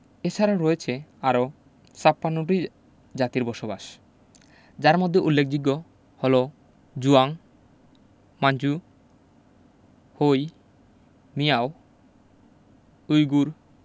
এছারাও রয়েছে আরও ৫৬ টি জাতির বসবাস যার মধ্যে উল্লেখযোগ্য হলো Zhuang Manchu Hui Miao Uyghur